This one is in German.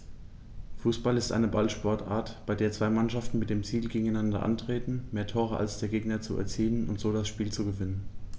Fußball ist eine Ballsportart, bei der zwei Mannschaften mit dem Ziel gegeneinander antreten, mehr Tore als der Gegner zu erzielen und so das Spiel zu gewinnen.